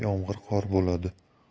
yomg'ir qor bo'ladi